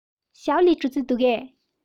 ཞའོ ལིའི འགྲོ རྩིས འདུག གས